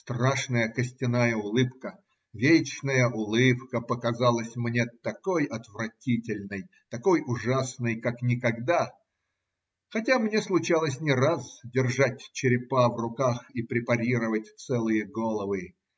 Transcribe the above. Страшная' костяная улыбка, вечная улыбка показалась мне такой отвратительной, такой ужасной, как никогда, хотя мне случалось не раз держать черепа в руках и препарировать целые головы.